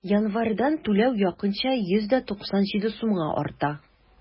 Январьдан түләү якынча 197 сумга арта.